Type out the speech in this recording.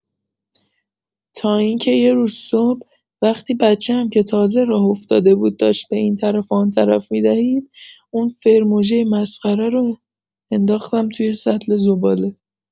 تا اینکه یه روز صبح، وقتی بچه‌ام که تازه راه افتاده بود داشت به این‌طرف و آن‌طرف می‌دوید، اون فرمژه مسخره رو انداختم توی سطل زباله